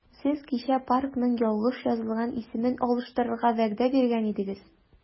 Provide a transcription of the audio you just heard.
Сез кичә паркның ялгыш язылган исемен алыштырырга вәгъдә биргән идегез.